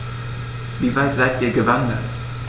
Wie weit seid Ihr gewandert?